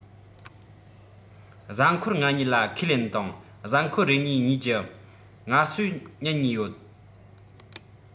གཟའ འཁོར ༥༢ ལ ཁས ལེན དང གཟའ འཁོར རེར ཉིན གཉིས ཀྱི ངལ གསོའི ཉིན གཉིས ཡོད